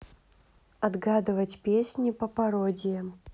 отгадывать песни по пародиям